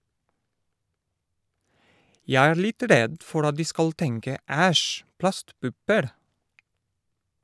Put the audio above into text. - Jeg er litt redd for at de skal tenke "æsj, plastpupper".